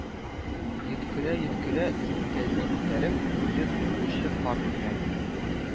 Йөткерә-йөткерә, зур кәрзин күтәреп, йон юучы карт керә